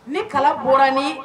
Ni kala bɔra ni